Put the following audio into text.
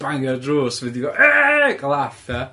bango ar drws ga'l laff ia?